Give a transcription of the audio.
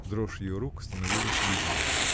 Дрожь ее рук становилась видимой.